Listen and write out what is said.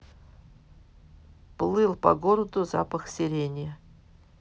плыл по городу запах сирени